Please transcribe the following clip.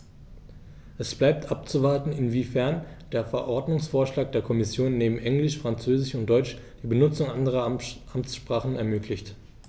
Es bleibt abzuwarten, inwiefern der Verordnungsvorschlag der Kommission neben Englisch, Französisch und Deutsch die Benutzung anderer Amtssprachen ermöglicht.